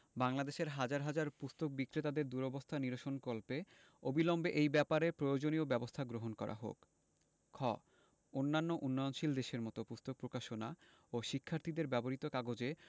বাংলাদেশের হাজার হাজার পুস্তক বিক্রেতাদের দুরবস্থা নিরসনকল্পে অবিলম্বে এই ব্যাপারে প্রয়োজনীয় ব্যাবস্থা গ্রহণ করা হোক খ অন্যান্য উন্নয়নশীল দেশের মত পুস্তক প্রকাশনা ও শিক্ষার্থীদের ব্যবহৃত কাগজে